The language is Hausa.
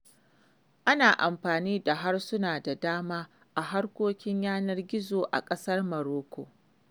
Ana amfani da harsuna da dama a harkokin yanar gizo a ƙasar Marocco.